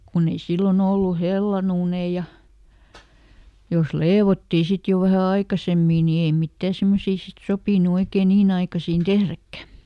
kun ei silloin ollut hellan uuneja ja jos leivottiin sitten jo vähän aikaisemmin niin ei mitään semmoisia sitten sopinut oikein niin aikaisin tehdäkään